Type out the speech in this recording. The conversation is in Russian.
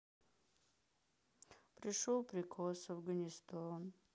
пришел приказ афганистан